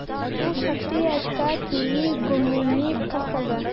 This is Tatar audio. Ул шактый акча түли гомуми кассага.